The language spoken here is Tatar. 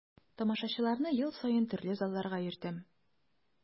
Тамашачыларны ел саен төрле залларга йөртәм.